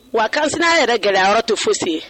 Wa kasira a yɛrɛ gɛlɛyɔrɔ to fose